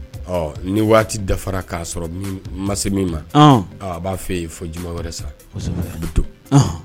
Ɔ ni waati dafara k'a sɔrɔ ma min ma a b'a fɛ yen fɔ juma wɛrɛ sa to